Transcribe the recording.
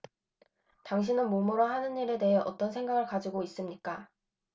당신은 몸으로 하는 일에 대해 어떤 생각을 가지고 있습니까